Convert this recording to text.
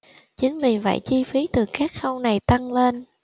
chính vì vậy chi phí từ các khâu này tăng lên